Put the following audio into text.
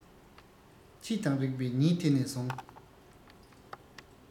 ཁྱེད དང རེག པའི ཉིན དེ ནས བཟུང